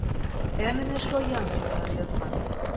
Ә менә шаян җырлар язган!